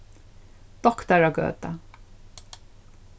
doktaragøta